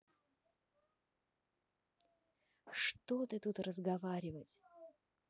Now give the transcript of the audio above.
что ты тут разговаривать